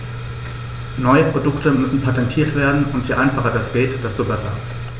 Neue Produkte müssen patentiert werden, und je einfacher das geht, desto besser.